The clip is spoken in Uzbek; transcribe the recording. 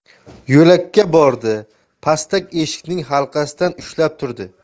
yo'lakka bordi pastak eshikning halqasidan ushlab turdi